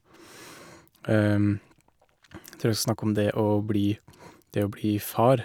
Trur jeg skal snakke om det å bli det å bli far.